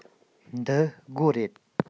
འདི སྒོ རེད